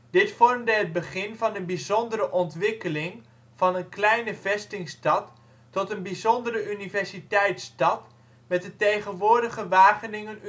Dit vormde het begin van een bijzondere ontwikkeling van een kleine vestingstad tot een bijzondere universiteitsstad met de tegenwoordige Wageningen